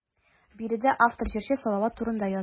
Биредә автор җырчы Салават турында яза.